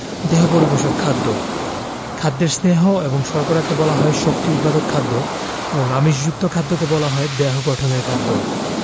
দেহ পরিপোষক খাদ্য খাদ্যের স্নেহ এবং শর্করাকে বলা হয় শক্তি উৎপাদক খাদ্য এবং আমিষযুক্ত খাদ্যকে বলা হয় দেহ গঠনের খাদ্য